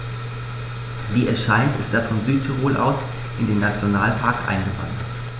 Wie es scheint, ist er von Südtirol aus in den Nationalpark eingewandert.